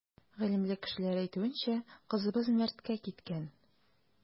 Гыйлемле кешеләр әйтүенчә, кызыбыз мәрткә киткән.